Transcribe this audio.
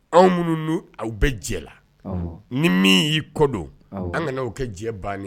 Anw minnu aw bɛ jɛ la ni min y'i kɔdɔn an kana'aw kɛ jɛ ban